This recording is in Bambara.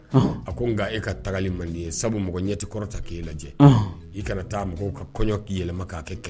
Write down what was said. A sabu ɲɛ tɛ' lajɛ i kana taa mɔgɔw ka kɔɲɔ k'i yɛlɛma' kɛ